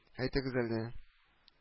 Әйтегез әле